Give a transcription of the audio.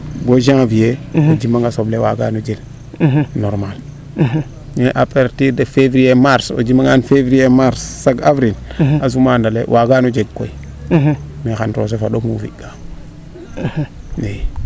bo janvier o jima nga soble waaga no jeg normale mais a partir de fevrier mars o jima ngaan fevrier mars avril a sumanale waaga no jeg koy nda xn roosefa ɗomu o fikaa